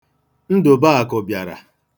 Ndụ̀bụ̀àkụ̀ bịara.